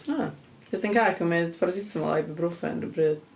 O. Achos ti'n cael cymryd paracetamol a ibuprofen ar yr un pryd.